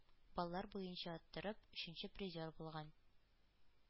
Баллар буенча оттырып, өченче призер булган.